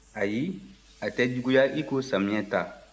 ayi a tɛ juguya i ko samiyɛ ta